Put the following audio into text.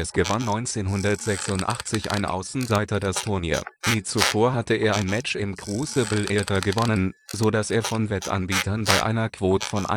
gewann 1986 ein Außenseiter das Turnier. Nie zuvor hatte er ein Match im Crucible Theatre gewonnen, sodass er von Wettanbietern bei einer Quote von